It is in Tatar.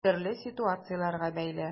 Төрле ситуацияләргә бәйле.